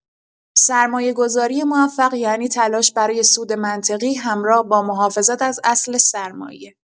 سرمایه‌گذاری موفق یعنی تلاش برای سود منطقی همراه با محافظت از اصل سرمایه.